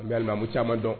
An bɛ Alimamucaman dɔn.